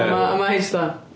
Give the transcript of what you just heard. A ma' a ma' hi jyst fatha...